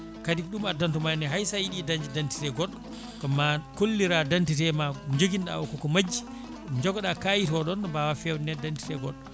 kadi ko ɗum addantuma ni hayso a yiiɗi dañje d' identité goɗɗo ko ma kollira d' identité ma joguinoɗa o koko majji jogoɗa kayit oɗon ne mbawa fewnanede d' identité goɗɗo